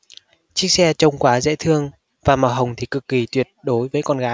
chiếc xe trông quá dễ thương và màu hồng thì cực kì tuyệt đối với con gái